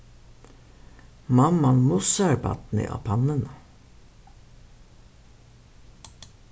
mamman mussar barnið á pannuna